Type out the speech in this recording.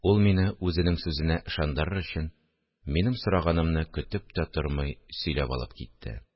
Ул, мине үзенең сүзенә ышандырыр өчен, минем сораганымны көтеп тә тормый сөйләп алып китте